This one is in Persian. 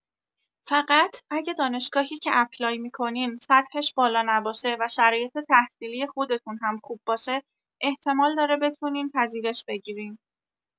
فقط اگه دانشگاهی که اپلای می‌کنین سطحش بالا نباشه و شرایط تحصیلی خودتون هم خوب باشه احتمال داره بتونین پذیرش بگیرین